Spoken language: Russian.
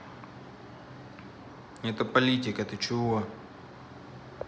это политика ты чего